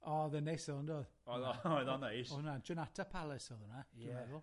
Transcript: Odd e'n neis ddo o'n do'dd? Oedd o oedd o'n neis. O'dd hwnna, Giornata Palace o'dd hwnna, dwi'n meddwl.